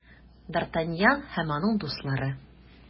Д’Артаньян һәм аның дуслары.